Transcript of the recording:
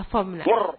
A'a faamuyamu